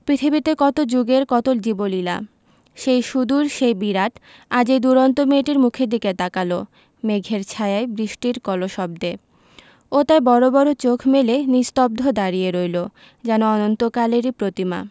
পৃথিবীতে কত যুগের কত জীবলীলা সেই সুদূর সেই বিরাট আজ এই দুরন্ত মেয়েটির মুখের দিকে তাকাল মেঘের ছায়ায় বৃষ্টির কলশব্দে ও তাই বড় বড় চোখ মেলে নিস্তব্ধ দাঁড়িয়ে রইল যেন অনন্তকালেরই প্রতিমা